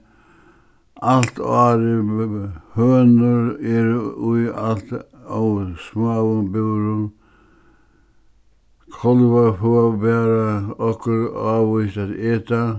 alt árið hønur eru í alt ov smáum búrum kálvar fáa bara okkurt ávíst at eta